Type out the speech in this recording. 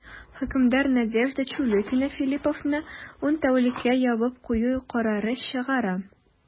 Хөкемдар Надежда Чулюкина Филлиповны ун тәүлеккә ябып кую карары чыгара.